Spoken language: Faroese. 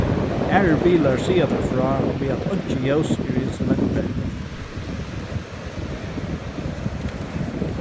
aðrir bilar siga tær frá við at einki ljós er í instrumentbrettinum